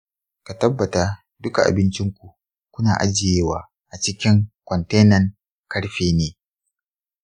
ka tabbata duka abincinku kuna ajiyewa a cikin kwantenan karfe ne.